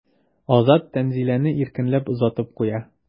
Азат Тәнзиләне иркенләп озатып куя.